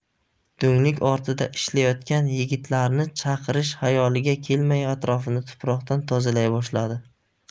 do'nglik ortida ishlayotgan yigitlarni chaqirish xayoliga kelmay atrofini tuproqdan tozalay boshladi